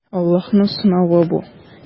Аллаһның сынавы бу.